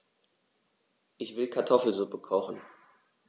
Ich will Kartoffelsuppe kochen.